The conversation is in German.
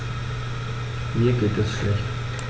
Mir geht es schlecht.